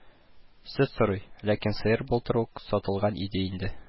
Сөт сорый, ләкин сыер былтыр ук сатылган иде инде